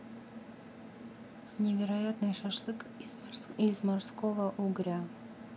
невероятный шашлык из морского угря